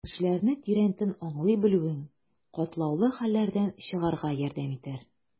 Кешеләрне тирәнтен аңлый белүең катлаулы хәлләрдән чыгарга ярдәм итәр.